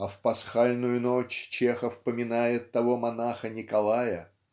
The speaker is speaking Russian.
А в пасхальную ночь Чехов поминает того монаха Николая